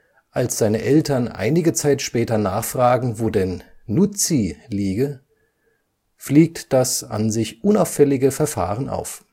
Als seine Eltern einige Zeit später nachfragen, wo denn Nutsi liege, fliegt das an sich unauffällige Verfahren auf